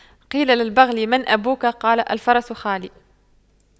قيل للبغل من أبوك قال الفرس خالي